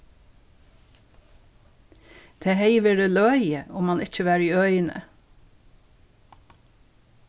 tað hevði verið løgið um hann ikki var í øðini